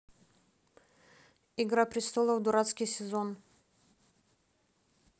игра престолов дурацкий сезон